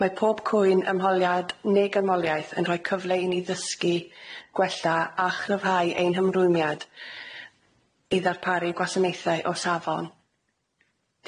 Mae pob cwyn ymholiad ne' gynholiaeth yn rhoi cyfle i ni ddysgu gwella a chryfhau ein hymrwymiad i ddarparu gwasanaethau o safon. Diolch.